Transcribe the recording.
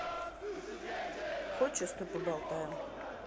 хочешь я с тобой поболтаю